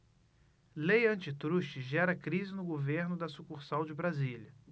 lei antitruste gera crise no governo da sucursal de brasília